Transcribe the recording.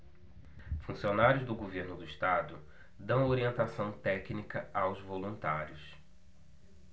funcionários do governo do estado dão orientação técnica aos voluntários